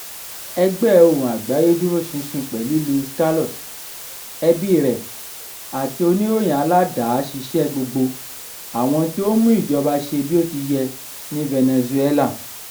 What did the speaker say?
Ẹgbẹ́ Ohùn Àgbáyé dúró ṣinṣin pẹ̀lú Luis Carlos, ẹbíi rẹ̀, àti oníròyìn aládàáṣiṣẹ́ gbogbo àwọn tí ó ń mú ìjọba ṣe bí ó ti yẹ ní Venezuela.